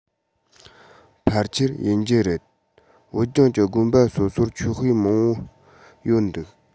ཕལ ཆེར ཡིན གྱི རེད བོད ལྗོངས ཀྱི དགོན པ སོ སོར ཆོས དཔེ མང པོ ཡོད འདུག